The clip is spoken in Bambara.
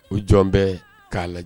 O jɔn bɛ k'a lajɛ